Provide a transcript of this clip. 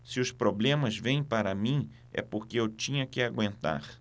se os problemas vêm para mim é porque eu tinha que aguentar